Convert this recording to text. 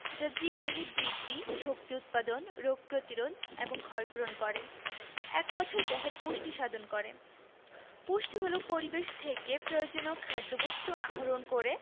যা জীবদেহে বৃদ্ধি শক্তি উৎপাদন রোগ প্রতিরোধ এবং ক্ষয়পূরণ করে এক কথায় দেহের পুষ্টি সাধন করে পুষ্টি হলো পরিবেশ থেকে প্রয়োজনীয় খাদ্যবস্তু আহরণ করে